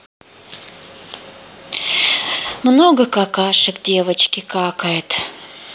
много какашек девочки какакает